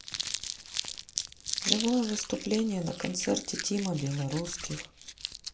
живое выступление на концерте тима белорусских